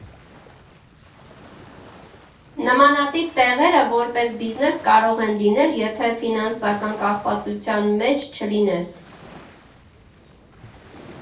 Նմանատիպ տեղերը որպես բիզնես կարող են լինել, եթե ֆինանսական կախվածության մեջ չլինես։